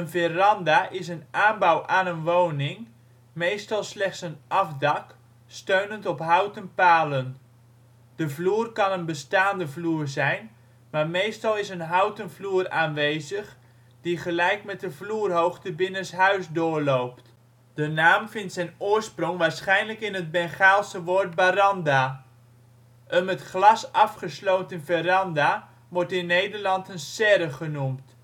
veranda is een aanbouw aan een woning, meestal slechts een afdak steunend op houten palen. De vloer kan de bestaande vloer zijn, maar meestal is een houten vloer aanwezig die gelijk met de vloerhoogte binnenshuis doorloopt. De naam vindt zijn oorsprong waarschijnlijk in het Bengaalse woord barandah. Een met glas afgesloten veranda wordt in Nederland een serre genoemd